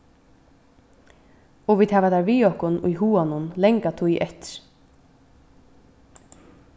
og vit hava tær við okkum í huganum langa tíð eftir